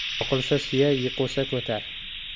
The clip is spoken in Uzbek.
qoqilsa suya yiqusa ko'tar